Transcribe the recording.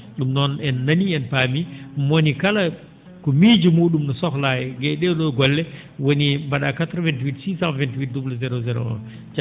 ?um noon en nanii en paami mo woni kala ko miijo mu?um no sohlaa e ?ee ?oo golle woni mba?aa 88 628 00 01